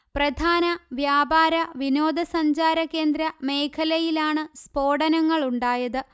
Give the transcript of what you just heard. പ്രധാന വ്യാപാര വിനോദ സഞ്ചാര കേന്ദ്ര മേഖലയിലാണ് സ്ഫോടനങ്ങളുണ്ടായത്